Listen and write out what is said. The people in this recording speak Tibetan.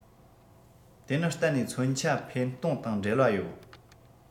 དེ ནི གཏན ནས མཚོན ཆ འཕེན གཏོང དང འབྲེལ བ ཡོད